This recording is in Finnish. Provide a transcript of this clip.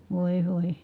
voi voi